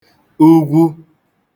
ugwu